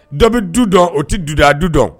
Dɔ bi du dɔn o ti dudadu dɔn